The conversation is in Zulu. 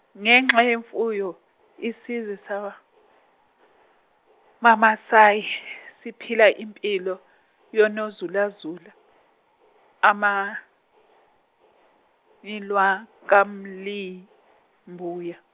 ngenxa yemfuyo, isizwe sama- -maMasayi siphila impilo yonozulazula-, amamilwa kamili mbuya.